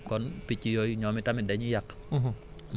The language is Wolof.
waaw kon picc yooyu ñoom i tamit dañuy yàq